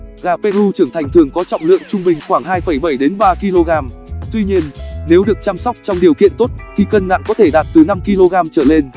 gà peru trưởng thành thường có trọng lượng trung bình khoảng kg tuy nhiên nếu được chăm sóc trong điều kiện tốt thì cân nặng có thể đạt từ kg trở lên